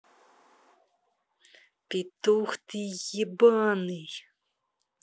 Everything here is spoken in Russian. петух ты ебаный